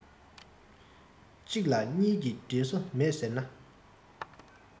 གཅིག ལ གཉིས ཀྱི འབྲེལ སོ མེད ཟེར ན